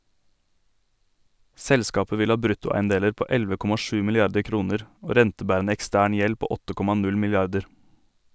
Selskapet vil ha bruttoeiendeler på 11,7 milliarder kroner og rentebærende ekstern gjeld på 8,0 milliarder.